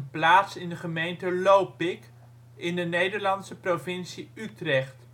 plaats in de gemeente Lopik, in de Nederlandse provincie Utrecht